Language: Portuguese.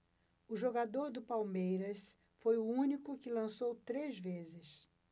o jogador do palmeiras foi o único que lançou três vezes